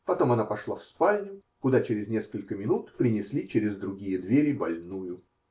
Потом она пошла в спальню, куда через несколько минут принесли через другие двери больную.